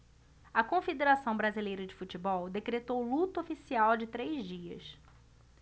a confederação brasileira de futebol decretou luto oficial de três dias